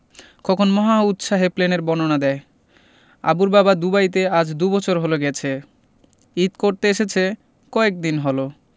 খোকন মহা উৎসাহে প্লেনের বর্ণনা দেয় আবুর বাবা দুবাইতে আজ দুবছর হলো গেছে ঈদ করতে এসেছে কয়েকদিন হলো